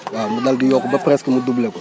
waaw mu daal di yokk ba presque mu doublé ko